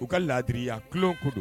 U ka laadiriyaya tuloko don